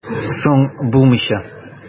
Соң, булмыйча!